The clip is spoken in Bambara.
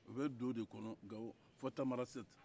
o bɛ don o de kɔnɔ gawo fo tamarasɛte